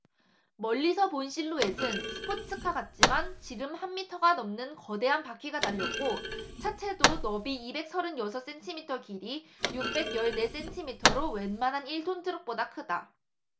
멀리서 본 실루엣은 스포츠카 같지만 지름 한 미터가 넘는 거대한 바퀴가 달렸고 차체도 너비 이백 서른 여섯 센티미터 길이 육백 열 네 센티미터로 웬만한 일 톤 트럭보다 크다